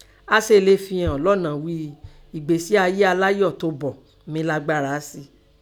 A sèè lè fi hàn lọ́nà a nì ghí i ēgbésí ayé aláyọ̀ tọbọ̀ mí lágbára sí i.